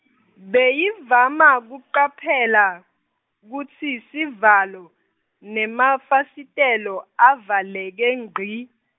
Beyivama kucaphela, kutsi sivalo, nemafasitelo, avaleke ngci.